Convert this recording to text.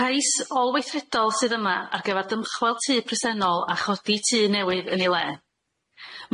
Rais olweithredol sydd yma ar gyfar dymchweld tŷ presennol a chodi tŷ newydd yn ei le.